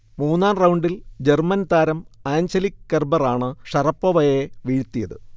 മൂന്നാം റൗണ്ടിൽ ജർമൻ താരം ആഞ്ചലിക് കെർബറാണ് ഷറപ്പോവയെ വീഴ്ത്തിയത്